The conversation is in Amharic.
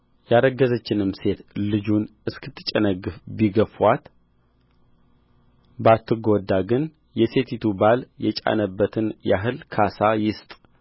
ያረገዘችንም ሴት ልጁን እስክትጨነግፍ ቢገፉአት ባትጐዳ ግን የሴቲቱ ባል የጫነበትን ያህል ካሳ ይስጥ